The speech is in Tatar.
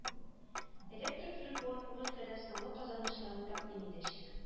Электроприбор бу өлкәдәге соңгы казанышларын тәкъдим итәчәк